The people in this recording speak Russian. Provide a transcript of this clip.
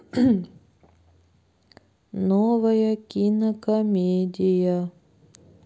новая кинокомедия